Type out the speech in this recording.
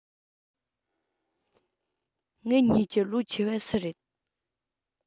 ངེད གཉིས ཀྱི ལོ ཆེ བ སུ རེད